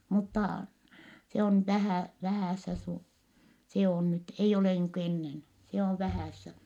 mutta se on vähän vähässä - se on nyt ei ole niin kuin ennen se on vähässä